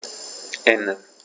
Ende.